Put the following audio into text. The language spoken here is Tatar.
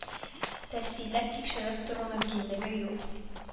Тәфсилләп тикшереп тору мөмкинлеге юк